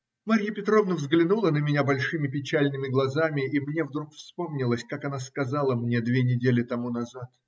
Марья Петровна взглянула на меня большими печальными глазами, и мне вдруг вспомнилось, как она сказала мне две недели тому назад